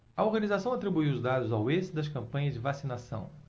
a organização atribuiu os dados ao êxito das campanhas de vacinação